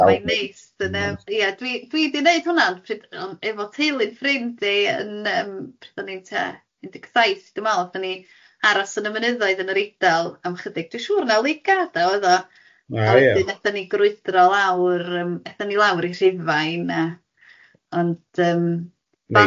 Ie mae'n neis dan yym ie dwi dwi di neud hwnna'n pryd yym efo teulu ffrind i yn yym pryd o'n i'n tua un deg saith dwi'n meddwl, aethon ni aros yn y mynyddoedd yn yr Eidal am ychydig dwi'n siŵr na Lake Gada oedd o... Oh ia. ...wedyn aethon ni grwydro lawr yym aethon ni lawr i Rhufain a ond yym... Neis.